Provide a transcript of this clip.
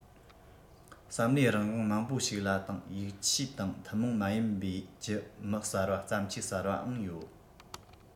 བསམ བློའི རང དབང མང པོ ཞིག ལ དང ཡིག ཆས དང ཐུན མོང མ ཡིན པའི ཀྱི མི གསར པ བརྩམས ཆོས གསར པའང ཡོད